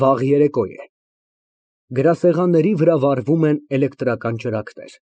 Վաղ երեկո է։ Գրասեղանների վրա վառվում են էլեկտրական ճրագներ։